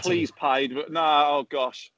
Plis paid. Na, o gosh.